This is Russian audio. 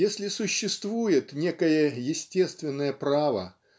если существует некое естественное право